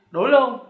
đuổi luôn